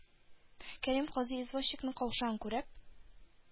Кәрим казый, извозчикның каушавын күреп